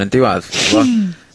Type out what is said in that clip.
yn diwadd. Ti'n gwbo?